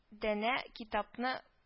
Данә китапны